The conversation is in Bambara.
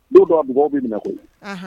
Don dɔw a dugawu bɛ minɛ koyi